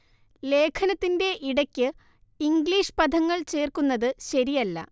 ലേഖനത്തിന്റെ ഇടക്ക് ഇംഗ്ലീഷ് പദങ്ങൾ ചേർക്കുന്നത് ശരിയല്ല